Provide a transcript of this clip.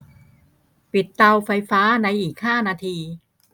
ปิดเตาไฟฟ้าในอีกห้านาที